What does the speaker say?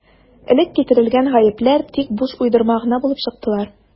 Элек китерелгән «гаепләр» тик буш уйдырма гына булып чыктылар.